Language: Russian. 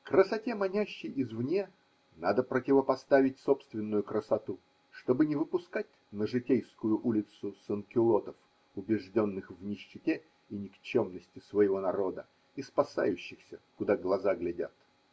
Красоте, манящей извне, надо противопоставить собственную красоту, чтобы не выпускать на житейскую улицу санкюлотов, убежденных в нищете и никчемности своего народа и спасающихся, куда глаза глядят.